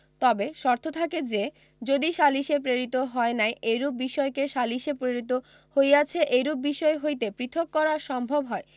তবে শর্ত থাকে যে যদি সালিসে প্রেরিত হয় নাই এইরূপ বিষয়কে সালিসে প্রেরিত হইয়াছে এইরূপ বিষয় হইতে পৃথক করা সম্ভব হয়